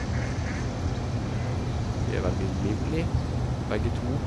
De er veldig livlig begge to.